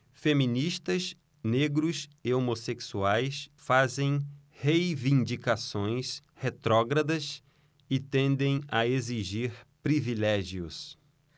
feministas negros e homossexuais fazem reivindicações retrógradas e tendem a exigir privilégios